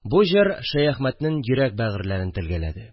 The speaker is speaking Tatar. Бу җыр Шәяхмәтнең йөрәк бәгырьләрен телгәләде